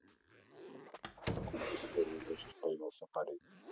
куклы сегодня у дочки появился парень